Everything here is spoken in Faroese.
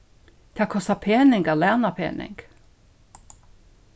tað kostar pening at læna pening